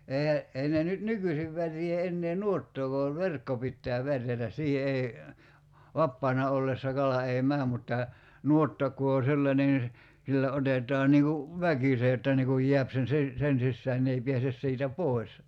eihän ei ne nyt nykyisin värjää enää nuottaakaan vaan verkko pitää värjätä siihen ei vapaana ollessa kala ei mene mutta nuotta kun on sellainen niin se sillä otetaan niin kuin väkisin että niin kuin jää sen - sen sisään ne ei pääse siitä pois